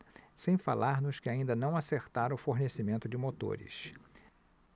sem falar nos que ainda não acertaram o fornecimento de motores